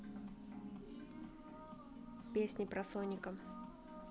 песни про соника